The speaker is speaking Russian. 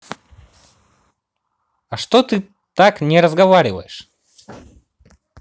а что ты так не разговариваешь